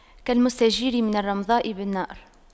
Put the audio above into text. كالمستجير من الرمضاء بالنار